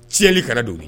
Tiɲɛli kana don